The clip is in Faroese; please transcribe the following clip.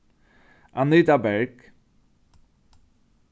anita berg